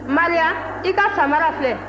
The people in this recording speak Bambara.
maria i ka sabara filɛ